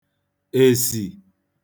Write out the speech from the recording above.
èsì